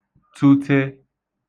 tụte